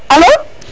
alo